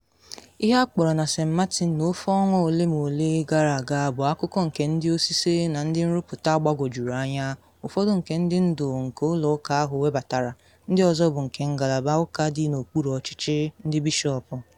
Ihe akpọrọ na St. Martin n’ofe ọnwa ole ma ole gara aga bụ akụkọ nke ndị ọsịse na ndị nrụpụta gbagwojuru anya, ụfọdụ nke ndị ndu nke ụlọ ụka ahụ webatara, ndị ọzọ bụ nke ngalaba ụka dị n’okpuru ọchịchị ndị Bishọpụ.